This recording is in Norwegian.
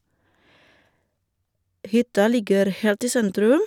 Hytta ligger helt i sentrum.